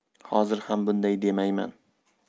hozir ham bunday demayman